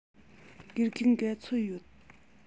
དགེ རྒན ག ཚོད ཡོད